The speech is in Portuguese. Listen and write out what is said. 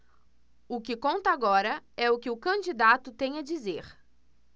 o que conta agora é o que o candidato tem a dizer